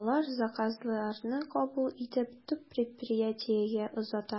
Алар заказларны кабул итеп, төп предприятиегә озата.